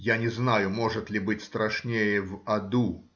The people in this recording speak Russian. Я не знаю, может ли быть страшнее в аду